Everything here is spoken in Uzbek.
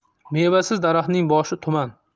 mevasiz daraxtning boshi tuman